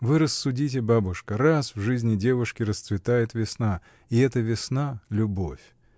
— Вы рассудите, бабушка: раз в жизни девушки расцветает весна — и эта весна — любовь.